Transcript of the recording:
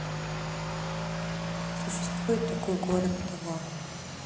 существует такой город того